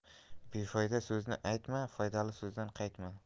befoyda so'zni aytma foydali so'zdan qaytma